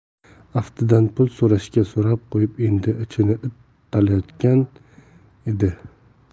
aftidan pul so'rashga so'rab qo'yib endi ichini it tatalayotgan edi